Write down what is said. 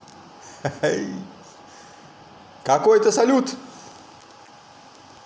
какой то салют